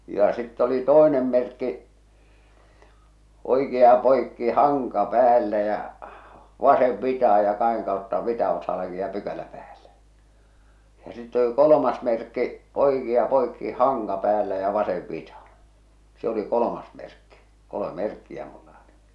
ja sitten oli toinen merkki oikea poikki hanka päällä ja vasen vitaan ja kahden kautta vita oksalla kiinni ja pykälä päälle ja sitten oli kolmas merkki oikea poikki hanka päällä ja vasen vitaan se oli kolmas merkki kolme merkkiä minulla oli